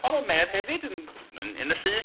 Ond oedd o'n medd hefyd yn yn yn y llys.